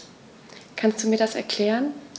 Kannst du mir das erklären?